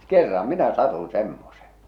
kerran minä satuin semmoiseen